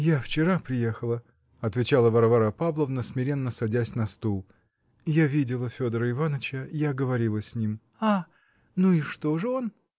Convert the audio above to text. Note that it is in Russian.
-- Я вчера приехала, -- отвечала Варвара Павловна, смиренно садясь на стул, -- я видела Федора Иваныча, я говорила с ним. -- А! Ну, и что же он?